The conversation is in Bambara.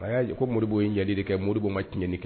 A y'a ko moribo in ɲɛli de kɛ moribo ma tiɲɛɲɛni kɛ